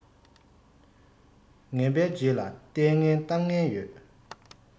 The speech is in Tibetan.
ངན པའི རྗེས ལ ལྟས ངན གཏམ ངན ཡོད